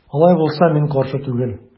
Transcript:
Алай булса мин каршы түгел.